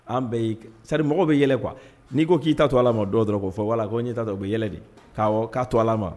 An bɛɛrimɔgɔ bɛ yɛlɛ kuwa n'i ko k'i ta to ala ma dɔw dɔrɔn' fɔ wala ko n' ta to o bɛ yɛlɛ de k'a k'a to ala ma